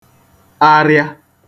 arịa